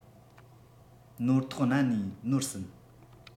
ནོར ཐོག བསྣན ནས ནོར ཟིན